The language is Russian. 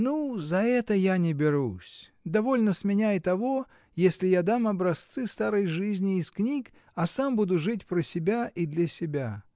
— Ну, за это я не берусь: довольно с меня и того, если я дам образцы старой жизни из книг, а сам буду жить про себя и для себя.